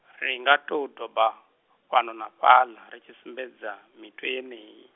ri nga tou doba, fhano na fhaḽa, ri tshi sumbedza, mitwe yeneyi.